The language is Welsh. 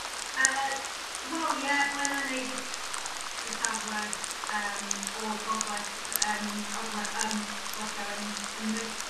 Yy wel ie Blaena' neu jyst y safle ymm o Gogleth ymm Or- ymm Gorllewin Cymru